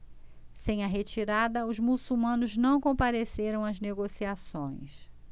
sem a retirada os muçulmanos não compareceram às negociações